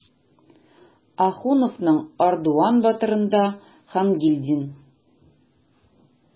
Ахуновның "Ардуан батыр"ында Хангилдин.